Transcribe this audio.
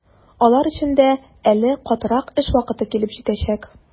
Алар өчен дә әле катырак эш вакыты килеп җитәчәк.